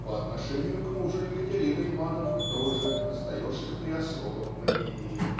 по отношению к мужу Екатерины Ивановны тоже остаешься при особом мнении.